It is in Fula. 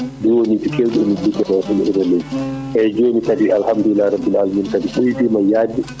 ɗe woni kewɗe ɗemin liggoto komin relais eyyi joni kadi alhamdulillah rabbil ala mina kadi beydima yajde